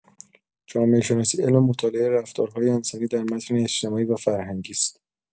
جامعه‌شناسی علم مطالعه رفتارهای انسانی در متن اجتماعی و فرهنگی است.